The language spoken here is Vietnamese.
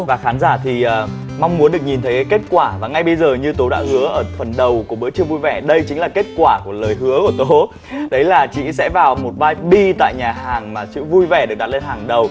và khán giả thì mong muốn được nhìn thấy kết quả và ngay bây giờ như tố đã hứa ở phần đầu của bữa trưa vui vẻ đây chính là kết quả của lời hứa của tố đấy là chị ý sẽ vào một vai bi tại nhà hàng mà chữ vui vẻ được đặt lên hàng đầu